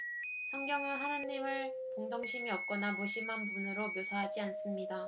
성경은 하느님을 동정심이 없거나 무심한 분으로 묘사하지 않습니다